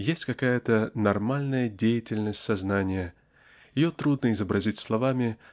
Есть какая-то нормальная деятельность сознания -- ее трудно изобразить словами